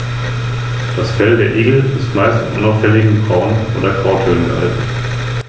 Neben den drei staatlichen Verwaltungsstellen des Biosphärenreservates gibt es für jedes Bundesland einen privaten Trägerverein.